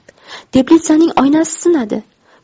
teplitsaning oynasi sinadi